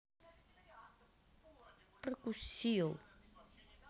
прокусил